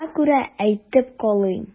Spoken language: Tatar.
Шуңа күрә әйтеп калыйм.